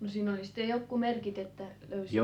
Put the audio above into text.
no siinä oli sitten jotkut merkit että löysi